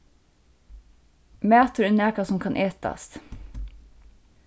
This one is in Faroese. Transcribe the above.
matur er nakað sum kann etast